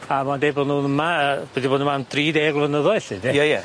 A ma'n deud bo' nw yma yy wedi bod yma am dri deg flynyddoedd 'lly de? Ie ie.